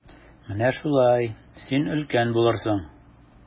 Менә шулай, син өлкән булырсың.